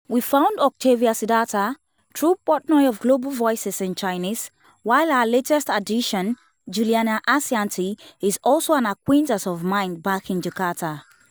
We found Oktavia Sidharta through Portnoy of Global Voices in Chinese, while our latest addition, Juliana Harsianti, is also an acquaintance of mine back in Jakarta.